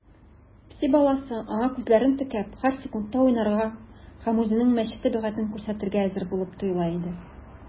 Песи баласы, аңа күзләрен текәп, һәр секундта уйнарга һәм үзенең мәче табигатен күрсәтергә әзер булып тоела иде.